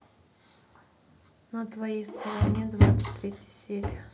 на твоей стороне двадцать третья серия